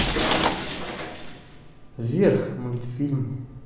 вверх мультфильм